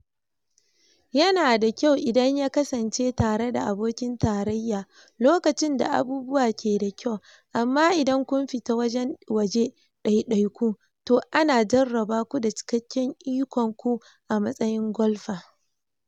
Yana da kyau idan ya kasance tare da abokin tarayya lokacin da abubuwa ke da kyau, amma idan kun fita waje ɗaidaiku, to ana jarraba ku da cikakken ikon ku a matsayin golfer.